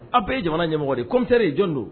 Aw bɛɛ ye jamana ɲɛmɔgɔ de comteere ye jɔn don